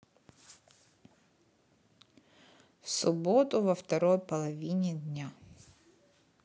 в субботу во второй половине дня